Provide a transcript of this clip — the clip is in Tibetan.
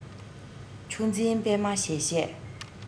ཆུ འཛིན པད མ བཞད བཞད